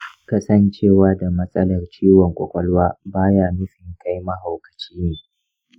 kasancewa da matsalar ciwon ƙwaƙwalwa ba yana nufin kai mahaukaci ne.